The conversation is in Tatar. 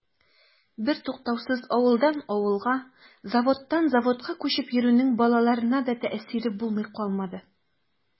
Бертуктаусыз авылдан авылга, заводтан заводка күчеп йөрүнең балаларына да тәэсире булмый калмады.